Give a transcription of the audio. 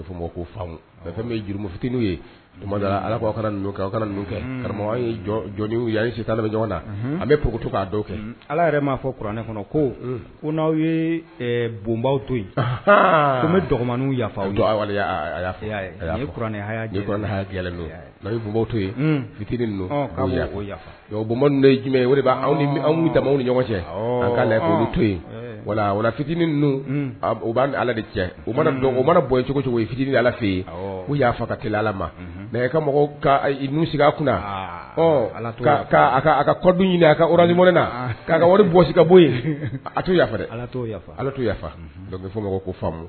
Juru fit ye ala karamɔgɔ jɔn si ɲɔgɔn na an bɛ ptu k'a kɛ ala yɛrɛ m'a fɔ kuranɛ kɔnɔ ko ko n'aw ye bonbaw to yen kɔmi bɛ yafa y'a kɛ kbaw to ye fit ye jumɛn ni ɲɔgɔn cɛ la to yen wala fitinin u b'a ala de cɛ mana bɔ yen cogo cogo ye fitinin ni ala fɛ yen u y'a fa ka t ala ma mɛ ka sigi a kun kad ɲini a ka ni mɔn na'a ka wari bɔsi ka bɔ yafa ala t' ala t' yafa bɛ fɔ ma ko faama